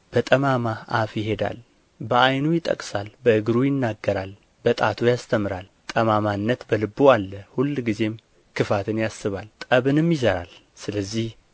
በጠማማ አፍ ይሄዳል በዓይኑ ይጠቅሳል በእግሩ ይናገራል በጣቱ ያስተምራል ጠማማነት በልቡ አለ ሁልጊዜም ክፋትን ያስባል ጠብንም ይዘራል ስለዚህ